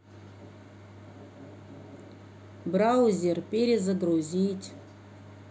браузер перезагрузить